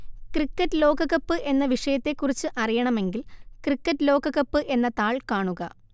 cricket ലോകകപ്പ് എന്ന വിഷയത്തെക്കുറിച്ച് അറിയണമെങ്കില്‍ ക്രിക്കറ്റ് ലോകകപ്പ് എന്ന താള്‍ കാണുക